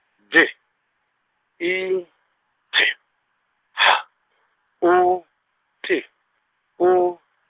D I T H O T O.